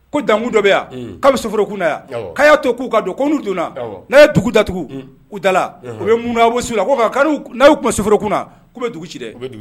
Ko dankun dɔ bɛ yan' bɛ soforokunna yan kaya to k'u ka don kou donna n' ye dugu daugu u dala u ye mun bɔsu ko'a tun bɛ soforokun k'u bɛ dugu ci dɛ